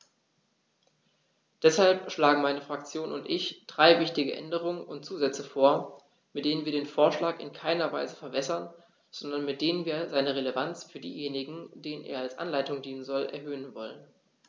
Deshalb schlagen meine Fraktion und ich drei wichtige Änderungen und Zusätze vor, mit denen wir den Vorschlag in keiner Weise verwässern, sondern mit denen wir seine Relevanz für diejenigen, denen er als Anleitung dienen soll, erhöhen wollen.